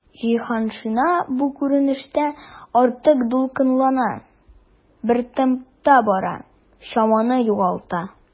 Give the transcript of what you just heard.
Җиһаншина бу күренештә артык дулкынлана, бер темпта бара, чаманы югалта.